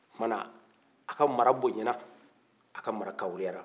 o tuma na a ka mara bonyana a ka mara kanhɔnyana